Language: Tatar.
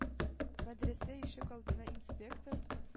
Мәдрәсә ишек алдында инспектор